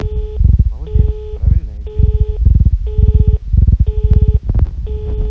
молодец правильное дело